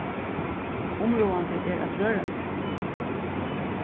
umráðandi er at røra seg